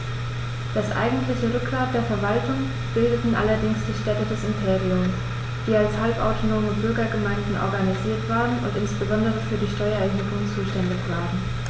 Das eigentliche Rückgrat der Verwaltung bildeten allerdings die Städte des Imperiums, die als halbautonome Bürgergemeinden organisiert waren und insbesondere für die Steuererhebung zuständig waren.